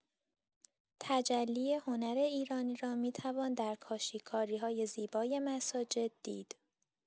تجلی هنر ایرانی را می‌توان در کاشی‌کاری‌های زیبای مساجد دید.